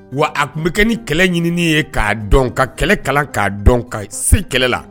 Wa a tun bɛ kɛ ni kɛlɛ ɲinin ye k'a dɔn ka kɛlɛ kalan k'a dɔn ka si kɛlɛ la